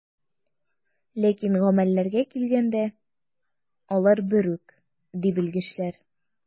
Ләкин гамәлләргә килгәндә, алар бер үк, ди белгечләр.